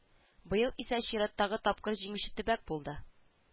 Быел исә чираттагы тапкыр җиңүче төбәк булды